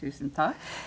tusen takk.